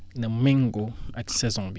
na méngóo ak saison bi